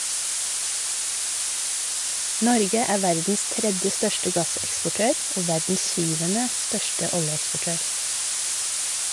Norge er verdens tredje største gasseksportør, og verdens syvende største oljeeksportør.